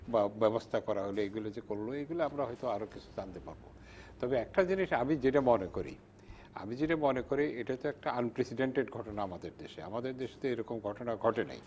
বা ব্যবস্থা করা হলো এগুলো যে করলে এগুলো আমরা হয়তো আরও কিছু জানতে পারবো তবে একটা জিনিস আমি যেটা মনে করি আমি যেটা মনে করি এটা তো একটা আনপ্রেসিডেন্টেড ঘটনা আমাদের দেশে আমাদের দেশে তো এরকম ঘটনা ঘটে নাই